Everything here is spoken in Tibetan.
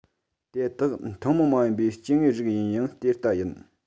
དེ དག ཐུན མོང མ ཡིན པའི སྐྱེ དངོས རིགས ཡིན ཡང དེ ལྟ ཡིན